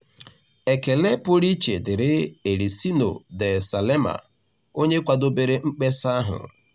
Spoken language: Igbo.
Ekele pụrụ ichie diri Ericino de Salema onye kwadobere mkpesa ahụ.